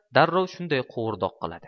darrov shunday qovurdoq qiladi